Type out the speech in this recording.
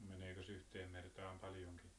meneekös yhteen mertaan paljonkin